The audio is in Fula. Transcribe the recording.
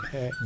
eyy